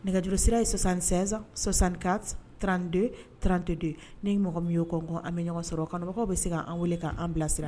Nɛgɛjuru sira ye sɔsansan sɔsanka trante trante don ni mɔgɔ min y' kɔn an bɛ ɲɔgɔn sɔrɔ kanubagaw bɛ se' anan weele k'an bilasira